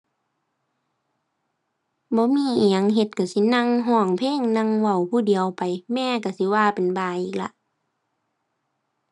บ่มีอิหยังเฮ็ด ก็สินั่งก็เพลง นั่งเว้าผู้เดียวไป แม่ก็สิว่าเป็นบ้าอีกล่ะ